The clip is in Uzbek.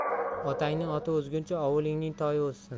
otangning oti o'zguncha ovulingning toyi o'zsin